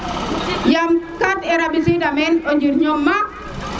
yam 4R a mbisida meen o njir ño maak